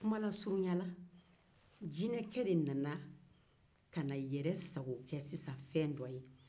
jinɛkɛ nana yɛresago kɛ fɛn dɔ ye